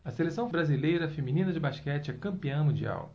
a seleção brasileira feminina de basquete é campeã mundial